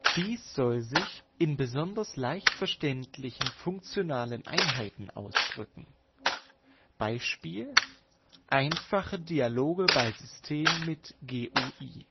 Dies soll sich in besonders leicht verständlichen funktionalen Einheiten ausdrücken (Bsp. einfache Dialoge bei Systemen mit GUI